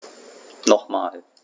Nochmal.